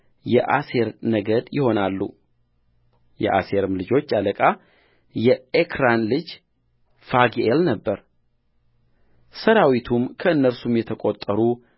የአሴር ነገድ ይሆናሉ የአሴርም ልጆች አለቃ የኤክራን ልጅ ፋግኤል ነበረሠራዊቱም ከእነርሱም የተቈጠሩ